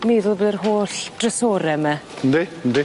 Meddwl bo' yr holl drysore yma. Yndi yndi.